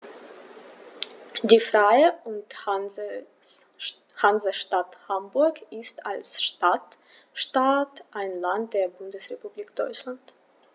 Die Freie und Hansestadt Hamburg ist als Stadtstaat ein Land der Bundesrepublik Deutschland.